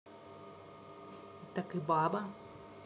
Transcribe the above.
так и баба